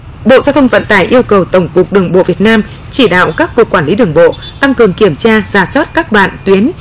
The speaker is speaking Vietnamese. bộ giao thông vận tải yêu cầu tổng cục đường bộ việt nam chỉ đạo các cục quản lý đường bộ tăng cường kiểm tra rà soát các đoạn tuyến